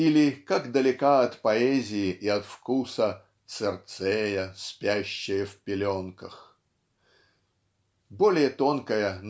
Или как далека от поэзии и от вкуса "Цирцея, спящая в пеленках"! Более тонкая